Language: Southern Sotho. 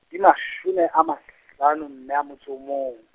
ke mashome a mahlano mme a motso o mong.